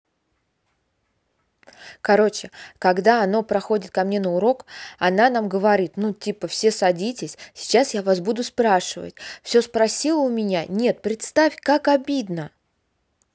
короче когда оно приходит мне на урок она нам говорит ну типа все садись сейчас я вас буду спрашивать все спросила у меня нет представь как обидно